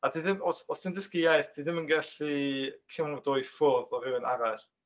A ti ddim... os os ti'n dysgu iaith, ti ddim yn gallu cymryd o i ffwrdd o rywun arall.